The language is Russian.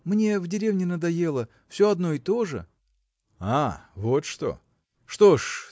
– мне в деревне надоело – все одно и то же. – А! вот что! Что ж